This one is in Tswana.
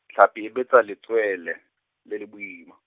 Tlhapi o betsa letswele, le le boima.